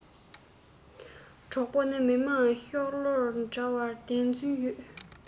གྲོགས པོ ནི མི དམངས ཤོག ལོར འདྲ བར བདེན རྫུན ཡོད